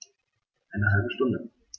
Eine halbe Stunde